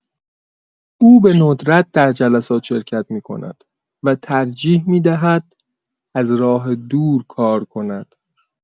او به‌ندرت در جلسات شرکت می‌کند و ترجیح می‌دهد از راه دور کار کند.